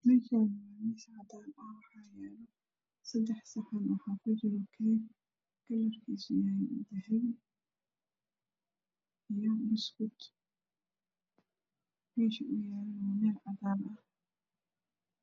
Meeshani waa meel dabaq ah oo ladhisayo waxaa uu kakoban yahay saxan